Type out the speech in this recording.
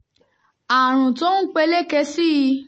Àrùn T'ó Ń Peléke Sí i